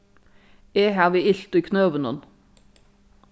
eg havi ilt í knøunum